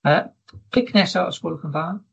Yy clic nesa os gwelwch yn dda.